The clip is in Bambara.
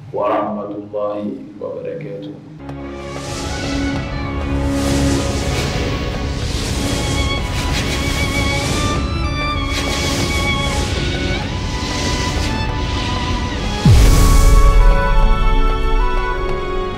Wabakari kɛ diɲɛ